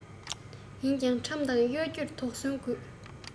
ཡིན ཀྱང ཁྲམ དང གཡོ སྒྱུར དོགས ཟོན དགོས